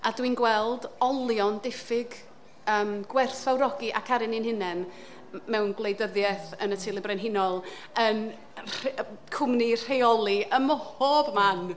A dwi'n gweld olion diffyg yym gwerthfawrogi a caru ni'n ein hunain mewn gwleidyddiaeth yn y teulu brenhinol, yn rh- cwmni rheoli, ym mhob man.